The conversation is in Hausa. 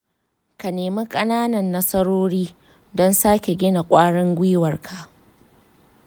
ka nemi ƙananan nasarori don sake gina ƙwarin gwiwarka.